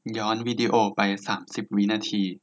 ย้อนวีดีโอไปสามสิบวินาที